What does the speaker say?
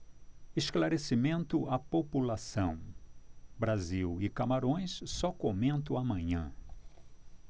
esclarecimento à população brasil e camarões só comento amanhã